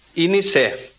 i ni se